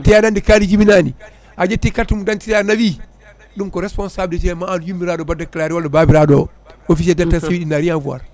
te aɗa andi kaari jibinani a ƴetti carte mum d' identité a nawi ɗum ko responsabilité ma an yummiraɗo baɗɗo déclaré walla babiraɗo o officier d' état civil n' a rien avoir